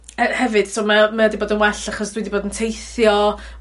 E- hefyd so mae o mae wedi bod yn well achos dwi 'di bod yn teithio